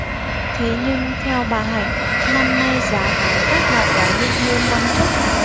thế nhưng theo bà hạnh năm nay giá cá các loại có nhỉnh hơn năm trước